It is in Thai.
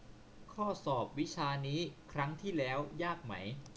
ข้อสอบวิชานี้ครั้งที่แล้วยากไหม